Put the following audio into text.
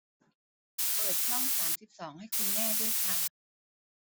เปิดช่องสามสิบสองให้คุณแม่ด้วยค่ะ